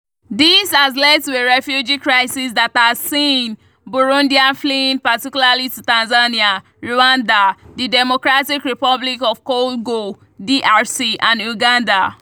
This has led to a refugee crisis that has seen Burundians fleeing particularly to Tanzania, Rwanda, the Democratic Republic of Congo (DRC) and Uganda.